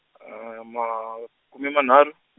makume manharhu.